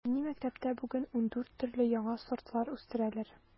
Фәнни мәктәптә бүген ундүрт төрле яңа сортлар үстерәләр.